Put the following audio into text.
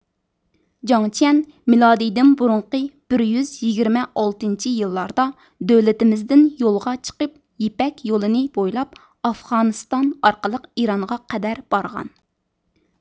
جاڭ چىيەن مىلادىدىن بۇرۇنقى بىر يۈزيىگىرمە ئالتىنچى يىللاردا دۆلىتىمىزدىن يولغا چىقىپ يىپەك يولىنى بويلاپ ئافغانىستان ئارقىلىق ئىرانغا قەدەر بارغان